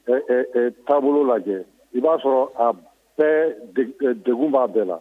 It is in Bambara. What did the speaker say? Taabolo lajɛ i b'a sɔrɔ a bɛ deg b'a bɛɛ la